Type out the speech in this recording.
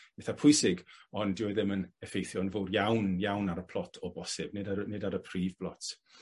petha pwysig ond dyw e ddim yn effeithio'n fowr iawn iawn ar y plot o bosib nid ar y nid ar y prif blot.